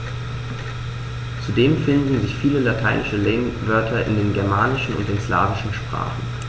Zudem finden sich viele lateinische Lehnwörter in den germanischen und den slawischen Sprachen.